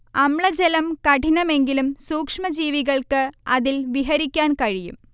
അമ്ലജലം കഠിനമെങ്കിലും സൂക്ഷ്മജീവികൾക്ക് അതിൽ വിഹരിക്കാൻ കഴിയും